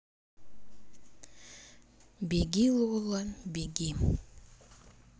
беги лола беги